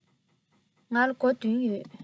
ང ལ སྒོར བདུན ཡོད